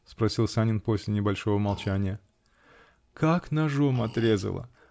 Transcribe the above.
-- спросил Санин после небольшого молчания. -- Как ножом отрезала!